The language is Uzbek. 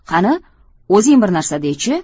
qani o'zing bir narsa de chi